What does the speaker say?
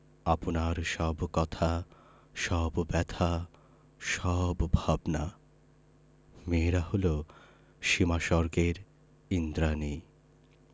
আপনার সব কথা সব ব্যাথা সব ভাবনা মেয়েরা হল সীমাস্বর্গের ঈন্দ্রাণী